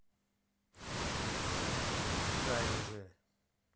запускай уже